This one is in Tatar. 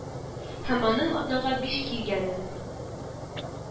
Һәм аның атнага биш килгәнен